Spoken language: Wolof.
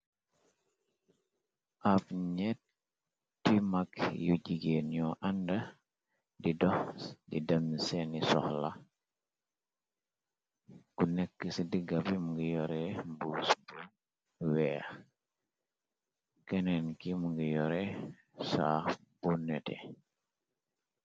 Ab nyetti mag yu jigeen ñoo ànda di dox di dem seeni soxla ku nekk ci diggabi mu ngi yore mbus bu weex keneen ki mu ngi yore saax bu nete.